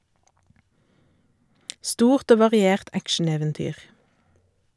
Stort og variert action-eventyr.